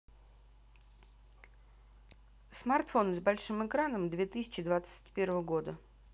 смартфоны с большим экраном две тысячи двадцать первого года